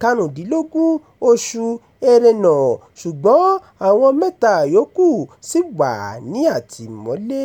15 oṣù Ẹrẹ́nà ṣùgbọ́n àwọn mẹ́ta yòókù ṣì wà ní àtìmọ́lé.